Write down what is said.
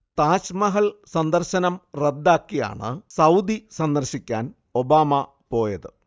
താജ്മഹൽ സന്ദർശനം റദ്ദാക്കിയാണ് സൗദി സന്ദർശിക്കാൻ ഒബാമ പോയത്